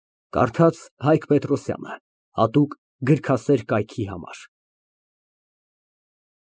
Կարդաց Հայկ Պետրոսյանը Հատուկ գրքասեր կայքի համար։